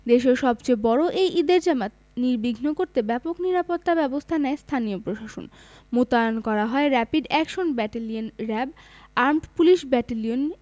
দেশের সবচেয়ে বড় এই ঈদের জামাত নির্বিঘ্ন করতে ব্যাপক নিরাপত্তাব্যবস্থা নেয় স্থানীয় প্রশাসন মোতায়েন করা হয় rapid action battalion RAB armed police battalion